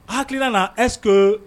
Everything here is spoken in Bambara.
Haki na ɛssekeke